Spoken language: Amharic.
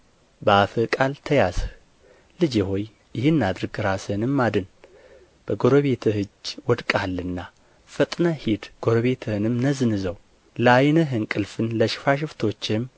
በአፍህ ቃል ተያዝህ ልጄ ሆይ ይህን አድርግ ራስህንም አድን በጎረቤትህ እጅ ወድቀሃልና ፈጥነህ ሂድ ጎረቤትህንም ነዝንዘው ለዓይንህ እንቅልፍን ለሽፋሽፍቶችህም